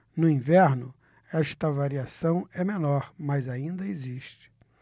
no inverno esta variação é menor mas ainda existe